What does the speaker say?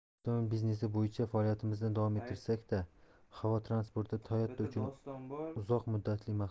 avtomobil biznesi bo'yicha faoliyatimizni davom ettirsak da havo transporti toyota uchun uzoq muddatli maqsad